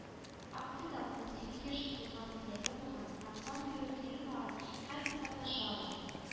Акциядә унсигез яше тулган теләге булган һәм кан бирү тыелмаган һәркем катнаша ала